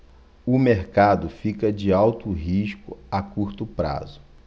o mercado fica de alto risco a curto prazo